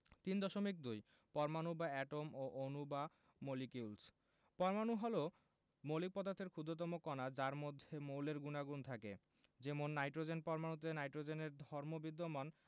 ৩.২ পরমাণু বা এটম ও অণু বা মলিকিউলস পরমাণু হলো মৌলিক পদার্থের ক্ষুদ্রতম কণা যার মধ্যে মৌলের গুণাগুণ থাকে যেমন নাইট্রোজেনের পরমাণুতে নাইট্রোজেনের ধর্ম বিদ্যমান